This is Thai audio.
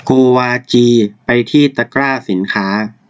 โกวาจีไปที่ตะกร้าสินค้า